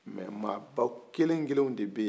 mɛ maaba kelenkelenw de bɛ yen